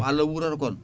Allah wuurata kon